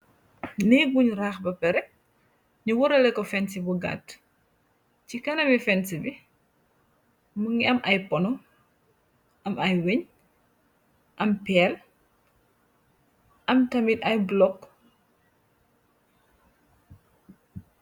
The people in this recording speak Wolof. Neek buñ raax ba pare, nu warale ko fensi bu gatt, ci kanami fensi bi mu ngi am ay pono am ay weñ am peel am tamit ay blokk